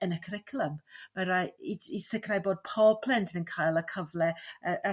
yn y cwricwlwm ma' rai- i i sicrau bod pob plentyn yn cael y cyfle yr